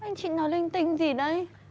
anh chị nói linh tinh gì đấy